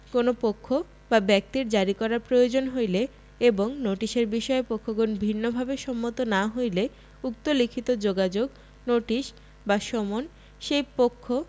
কোন পক্ষ বা ব্যক্তির জারী করার প্রয়োজন হইলে এবং জারীর বিষয়ে পক্ষগণ ভিন্নভাবে সম্মত না হইলে উক্ত লিখিত যোগাযোগ নোটিশ বা সমন সেই পক্ষ